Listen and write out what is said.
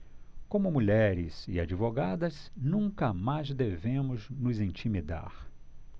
como mulheres e advogadas nunca mais devemos nos intimidar